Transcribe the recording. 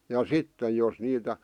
ja sitten jos niitä